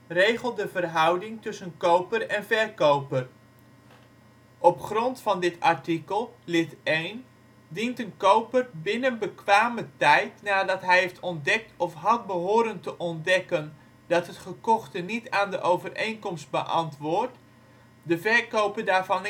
regelt de verhouding tussen koper en verkoper. Op grond van art.7:23 BW lid 1 dient een koper binnen bekwame tijd nadat hij heeft ontdekt of had behoren te ontdekken dat het gekochte niet aan de overeenkomst beantwoordt, de verkoper daarvan